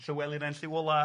Llywelyn ein Llyw Ola'.